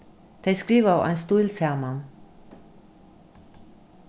tey skrivaðu ein stíl saman